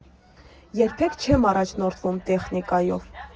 Երբեք չեմ առաջնորդվում տեխնիկայով.